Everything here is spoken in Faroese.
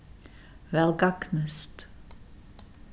væl gagnist